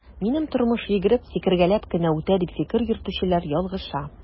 Минем тормыш йөгереп, сикергәләп кенә үтә, дип фикер йөртүчеләр ялгыша.